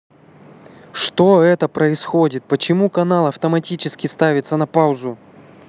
что это происходит почему канал автоматически ставится на паузу